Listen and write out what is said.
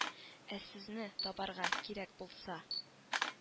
— ә сезне табарга кирәк булса